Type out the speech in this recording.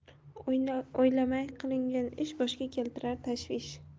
o'ylamay qilingan ish boshga keltirar tashvish